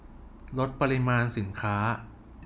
ลดปริมาณสินค้า